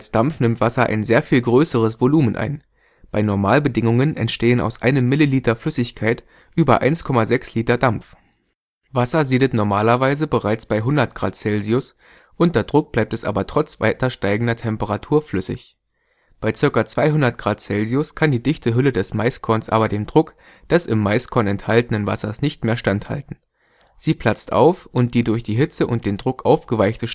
Dampf nimmt Wasser ein sehr viel größeres Volumen ein: Bei Normalbedingungen entstehen aus einem Milliliter Flüssigkeit über 1,6 Liter Dampf. Wasser siedet normalerweise bereits bei 100 °C; unter Druck bleibt es aber trotz weiter steigender Temperatur flüssig. Bei ca. 200 °C kann die dichte Hülle des Maiskorns aber dem Druck des im Maiskorn enthaltenen Wassers nicht mehr standhalten. Sie platzt auf und die durch die Hitze und den Druck aufgeweichte